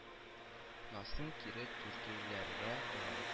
Насын кире дүртөйлегә бора